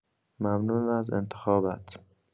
ممنون از انتخابت.